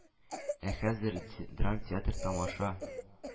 Ә хәзер драмтеатрны тамаша,